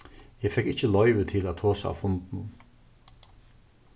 eg fekk ikki loyvi til at tosa á fundinum